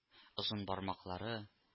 Озын бармаклары